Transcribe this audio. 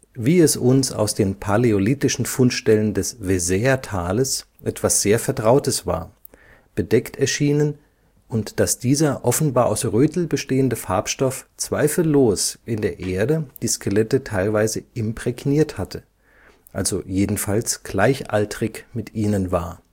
wie es uns aus den paläolithischen Fundstellen des Vézèretales etwas sehr Vertrautes war, bedeckt erschienen, und daß dieser offenbar aus Rötel bestehende Farbstoff zweifellos in der Erde die Skelette teilweise imprägniert hatte, also jedenfalls gleichaltrig mit ihnen war